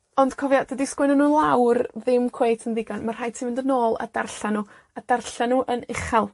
Ond cofia, dydi sgwennu nw lawr ddim cweit yn ddigon. Ma' rhaid i ti fynd nôl a darllan nw, a darllan nw yn uchal.